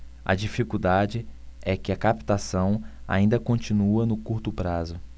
a dificuldade é que a captação ainda continua no curto prazo